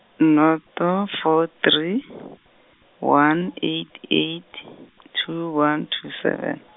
nnoto four three, one eight eight, two one two seven.